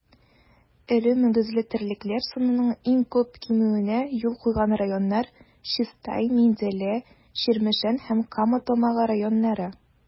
Эре мөгезле терлекләр санының иң күп кимүенә юл куйган районнар - Чистай, Минзәлә, Чирмешән һәм Кама Тамагы районнары.